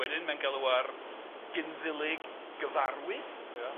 Wedyn mae'n galw ar Cynddylig Gyfarwydd. Ia.